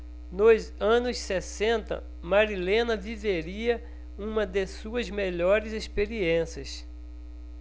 nos anos sessenta marilena viveria uma de suas melhores experiências